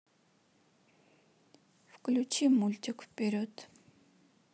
включи мультик вперед